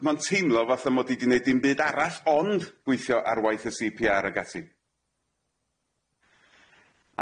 ma'n teimlo fatha mod i 'di neud dim byd arall ond gweithio ar waith y See Pee Are ag ati.